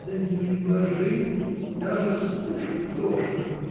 — Да не божитесь: даже слушать тошно.